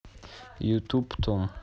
ютуб том